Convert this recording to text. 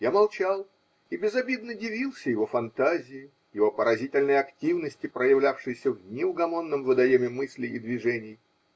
Я молчал и безобидно дивился его фантазии, его поразительной активности, проявлявшейся в неугомонном водоеме мыслей и движений